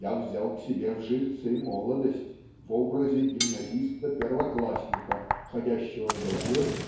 я взял к себе в жильцы молодость в образе гимназиста-первоклассника ходящего на голове